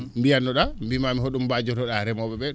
mbiyatno ?aa mbimaami ho?um mbajoro?aa remoo?e ?ee